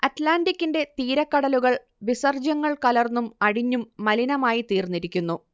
അറ്റ്ലാന്റിക്കിന്റെ തീരക്കടലുകൾ വിസർജ്യങ്ങൾ കലർന്നും അടിഞ്ഞും മലിനമായിത്തീർന്നിരിക്കുന്നു